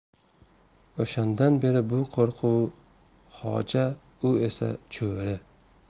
o'shandan beri bu qo'rquv xoja u esa cho'ri